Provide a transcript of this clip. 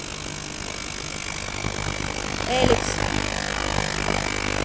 элипс